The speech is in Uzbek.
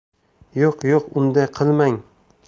yo'q yo'q unday qilmang